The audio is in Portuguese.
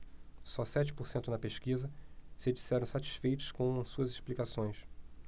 só sete por cento na pesquisa se disseram satisfeitos com suas explicações